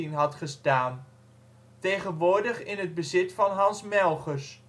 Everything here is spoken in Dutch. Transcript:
had gestaan. Tegenwoordig in het bezit van Hans Melchers